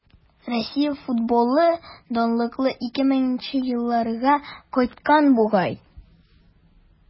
Россия футболы данлыклы 2000 нче елларга кайткан бугай.